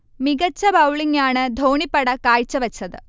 മികച്ച ബൗളിംഗ്‌ ആണ് ധോണിപ്പട കാഴ്ച വെച്ചത്